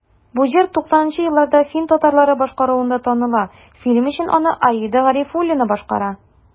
Бу җыр 90 нчы елларда фин татарлары башкаруында таныла, фильм өчен аны Аида Гарифуллина башкара.